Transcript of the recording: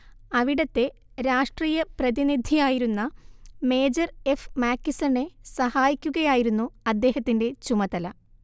അവിടത്തെ രാഷ്ട്രീയപ്രതിനിധിയായിരുന്ന major F മാക്കിസണെ സഹായിക്കുകയായിരുന്നു അദ്ദേഹത്തിന്റെ ചുമതല